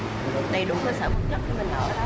đầy đủ cơ sở ở đó